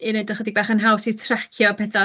I wneud o ychydig bach yn haws i tracio petha.